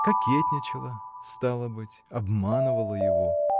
Кокетничала — стало быть, обманывала его!